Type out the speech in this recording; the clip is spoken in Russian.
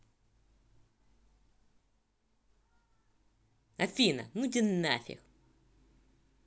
афина ну тебя нафиг